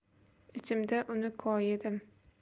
ichimda uni koyidim